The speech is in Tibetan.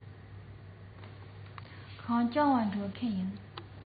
ཤིན ཅང ལ འགྲོ མཁན ཡིན